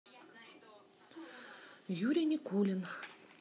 юрий никулин